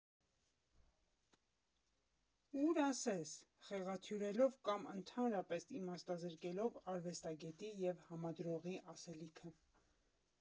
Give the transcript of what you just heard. Ուր ասես՝ խեղաթյուրելով կամ ընդհանրապես իմաստազրկելով արվեստագետի և համադրողի ասելիքը։